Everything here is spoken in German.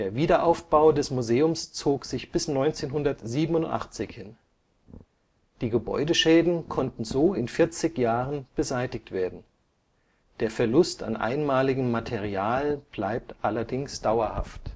Wiederaufbau des Museums zog sich bis 1987 hin. Die Gebäudeschäden konnten so in 40 Jahren beseitigt werden; der Verlust an einmaligem Material bleibt allerdings dauerhaft